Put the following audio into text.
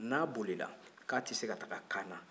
ni a bolila ko a tɛ se ka taa kaana